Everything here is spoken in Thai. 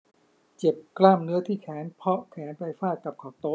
เจ็บกล้ามเนื้อที่แขนเพราะแขนไปฟาดกับขอบโต๊ะ